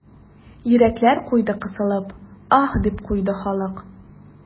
Йөрәкләр куйды кысылып, аһ, дип куйды халык.